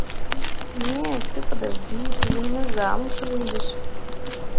нет ты подожди ты за меня замуж выйдешь